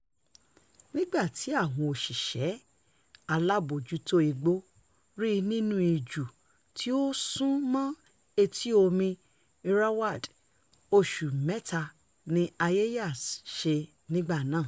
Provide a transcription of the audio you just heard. Nígbà tí àwọn òṣìṣẹ́ alábòójútó igbó rí i nínú ijù tí ó sún mọ́ Etí-omi Irrawaddy, oṣù mẹ́ta ni Ayeyar Sein nígbà náà.